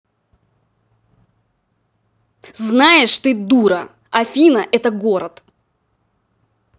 заешь ты дура афина это город